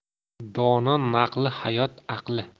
dono naqli hayot aqli